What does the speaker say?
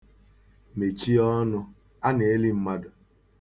Mechie ọnụ! A na-eli mmadụ.